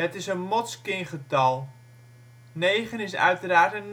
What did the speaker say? is een Motzkingetal. Negen is uiteraard een